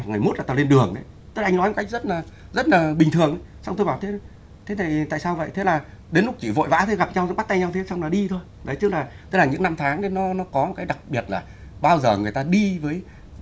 ngày mốt là tàu lên đường ý anh nói khách rất là rất là bình thường trong tôi bảo chết thế thì tại sao vậy thế là đến lúc thì vội vã tới gặp nhau giữa bắt tay nhau tiếng xong là đi thôi tức là tức là những năm tháng nó có cái đặc biệt là bao giờ người ta đi với